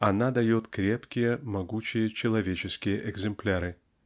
она дает крепкие, могучие человеческие экземпляры.